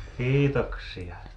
kiitoksia